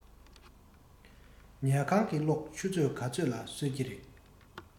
ཉལ ཁང གི གློག ཆུ ཚོད ག ཚོད ལ གསོད ཀྱི རེད